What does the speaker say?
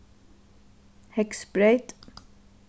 heygsbreyt